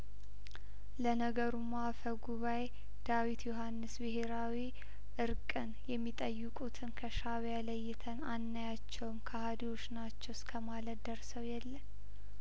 ለነገሩማ አፈ ጉባኤ ዳዊት ዮሀንስ ብሄራዊ እርቅን የሚጠይቁትን ከሻእቢያ ለይተን አናያቸውም ከሀዲዎች ናቸው እስከማለት ደርሰው የለ